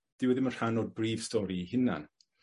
dyw e ddim yn rhan o'r brif stori 'i hunan.